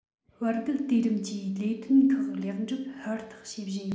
བར བརྒལ དུས རིམ གྱི ལས དོན ཁག ལེགས འགྲུབ ཧུར ཐག བྱེད བཞིན ཡོད